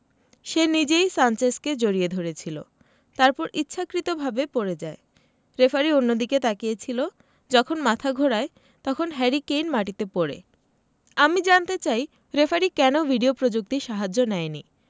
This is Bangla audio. সে নিজেই সানচেজকে জড়িয়ে ধরেছিল তারপরে ইচ্ছাকৃতভাবে পড়ে যায় রেফারি অন্যদিকে তাকিয়ে ছিল যখন মাথা ঘোরায় তখন হ্যারি কেইন মাটিতে পড়ে আমি জানতে চাই রেফারি কেন ভিডিও প্রযুক্তির সাহায্য নেয়নি